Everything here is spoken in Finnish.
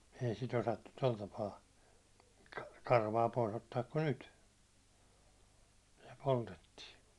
ei sitä osattu tuolla tapaa karvaa pois ottaa kuin nyt se poltettiin